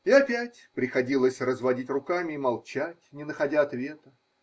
И опять приходилось разводить руками и молчать, не находя ответа.